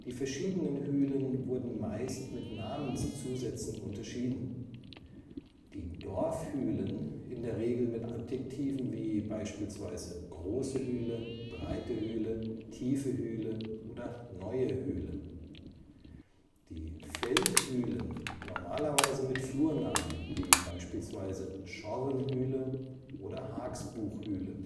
verschiedenen Hülen wurden meist mit Namenszusätzen unterschieden: die Dorfhülen in der Regel mit Adjektiven wie beispielsweise große Hüle, breite Hüle, tiefe Hüle oder neue Hüle – die Feldhülen normalerweise mit Flurnamen wie beispielsweise Schorrenhüle oder Hagsbuchhüle